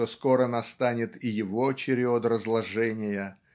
что скоро настанет и его черед разложения